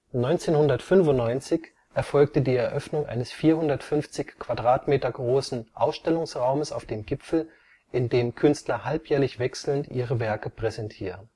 1995 erfolgte die Eröffnung eines 450 m² großen Ausstellungsraumes auf dem Gipfel, in dem Künstler halbjährlich wechselnd ihre Werke präsentieren